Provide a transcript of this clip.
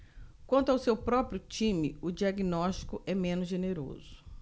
quanto ao seu próprio time o diagnóstico é menos generoso